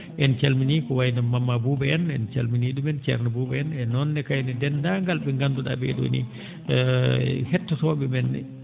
en calminii ko wayi no Mama Boubo en en calminii ?umen ceerno Boubo en noon ne kayne deenndaangal ?e nganndu?aa ?ee ?oo nii hettotoo?e men ?e